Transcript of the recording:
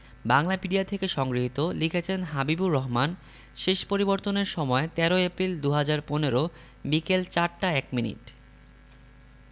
বাংলাপিডিয়া থেকে সংগৃহীত লিখেছেন হাবিবুর রহমান শেষ পরিবর্তনের সময় ১৩ এপ্রিল ২০১৫ বিকেল ৪টা ১ মিনিট